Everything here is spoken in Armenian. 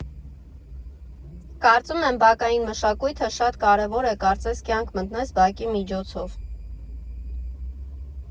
Կարծում եմ բակային մշակույթը շատ կարևոր է՝ կարծես կյանք մտնես բակի միջոցով։